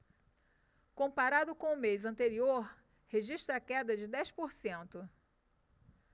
comparado com o mês anterior registra queda de dez por cento